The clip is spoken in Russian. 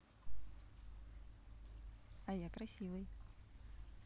а я красивый